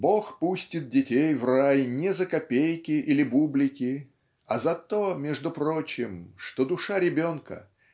Бог пустит детей в рай не за копейки или бублики а за то между прочим что душа ребенка